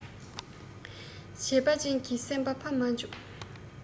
བྱས པ ཅན གྱི སེམས པ ཕམ མ འཇུག